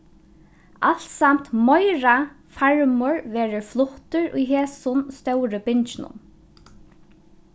alsamt meira farmur verður fluttur í hesum stóru bingjunum